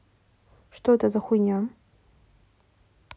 что это за хуйня